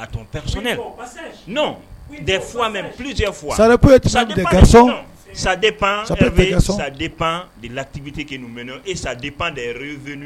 Sa ka sa pan pan de latibite bɛ esa pan de